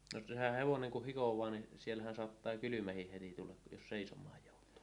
no sehän hevonen kun hikoaa niin siellähän saattaa kylmäkin heti tulla jos seisomaan joutuu